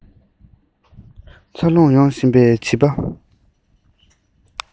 འཚར ལོངས ཡོང བཞིན པའི བྱིས པ